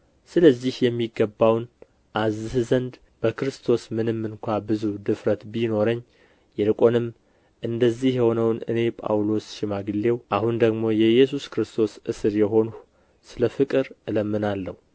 ስለዚህ የሚገባውን አዝህ ዘንድ በክርስቶስ ምንም እንኳ ብዙ ድፍረት ቢኖረኝ ይልቁንም እንደዚህ የሆንሁ እኔ ጳውሎስ ሽማግሌው አሁንም ደግሞ የኢየሱስ ክርስቶስ እስር የሆንሁ ስለ ፍቅር እለምናለሁ